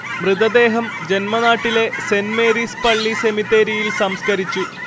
മൃതദേഹം ജന്മനാട്ടിലെ Saint Mary's പള്ളി സെമിത്തേരിയിൽ സംസ്കരിച്ചു